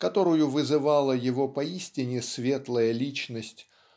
которую вызывала его поистине светлая личность